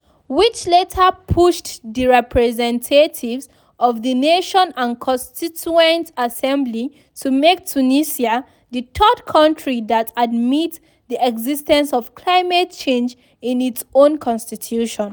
Which later pushed the representatives of the nation and constituent assembly to make Tunisia the third country that admit the existence of climate change in it’s own constitution.